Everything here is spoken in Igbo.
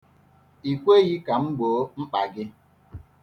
I kweghị ka m gboo mkpa gị.